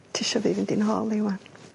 Tisio fi fynd i nhôl hi 'wan?